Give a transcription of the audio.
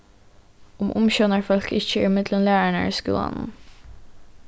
um umsjónarfólk ikki eru millum lærararnar í skúlanum